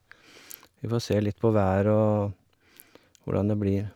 Vi får se litt på været og hvordan det blir.